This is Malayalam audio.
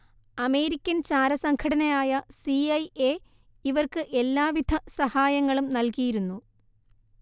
അമേരിക്കൻ ചാരസംഘടനയായ സി ഐഎ ഇവർക്ക് എല്ലാവിധ സഹായങ്ങളും നൽകിയിരുന്നു